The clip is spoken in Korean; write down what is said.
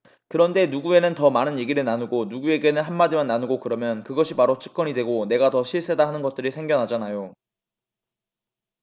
그런데 누구에는 더 많은 얘기를 나누고 누구에게는 한 마디만 나누고 그러면 그것이 바로 측근이 되고 내가 더 실세다 하는 것들이 생겨나잖아요